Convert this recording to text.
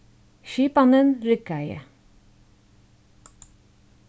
skipanin riggaði